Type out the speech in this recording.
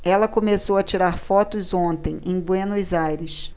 ela começou a tirar fotos ontem em buenos aires